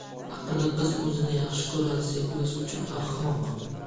aqlli qiz o'zini yaxshi ko'radi sevgilisi uchun ahmoq